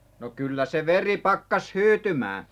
no kyllä se veri pakkasi hyytymään